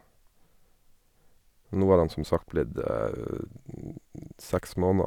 Nå har han som sagt blitt seks måneder.